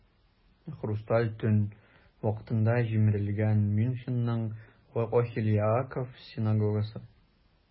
"хрусталь төн" вакытында җимерелгән мюнхенның "охель яаков" синагогасы.